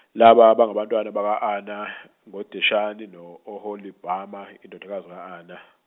laba bangabantwana baka Ana , ngoDishani no Oholibama indodakazi ka Ana.